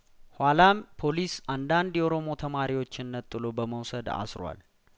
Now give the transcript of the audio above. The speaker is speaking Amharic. ኋላም ፖሊስ አንዳንድ የኦሮሞ ተማሪዎችን ነጥሎ በመውሰድ አስሯል